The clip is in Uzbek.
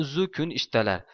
uzzu kun ishdalar